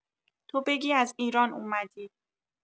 تو بگی از ایران اومدی